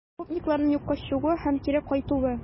Гопникларның юкка чыгуы һәм кире кайтуы